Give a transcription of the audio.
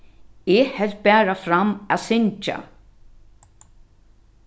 eg helt bara fram at syngja